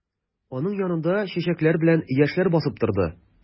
Аның янында чәчәкләр белән яшьләр басып торды.